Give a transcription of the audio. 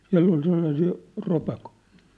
siellä oli sellaisia ropakoita